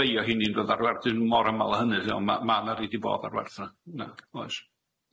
Ma' 'na rei o heini'n dod ar wer- 'di nw'm mor amal â hynny lly ond ma' ma' 'na rei 'di bod ar werth yna yna oes.